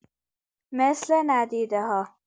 مثل ندیده‌ها